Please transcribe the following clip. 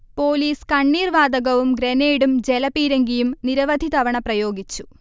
police കണ്ണീർ വാതകവും ഗ്രനേഡും ജലപീരങ്കിയും നിരവധി തവണ പ്രയോഗിച്ചു